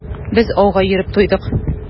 Без ауга йөреп туйдык.